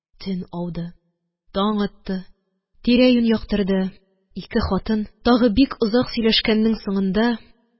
Төн ауды, таң атты, тирә-юнь яктырды. Ике хатын, тагы бик озак сөйләшкәннең соңында